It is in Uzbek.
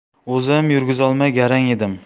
o'zim yurgizolmay garang edim